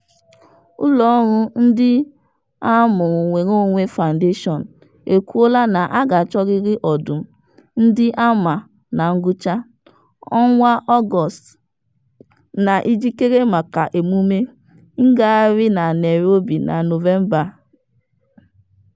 Ụlọọrụ Born Free Foundation ekwuola na a ga-achọrịrị ọdụm ndị a mma na ngwụcha ọnwa Ọgọst na njikere maka emume ngagharị na Nairobi na Nọvemba a.